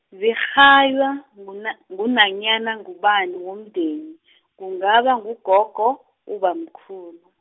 zirhaywa, nguna- ngunanyana ngubani womndeni , kungaba ngugogo, ubamkhulu.